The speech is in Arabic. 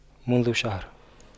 منذ شهر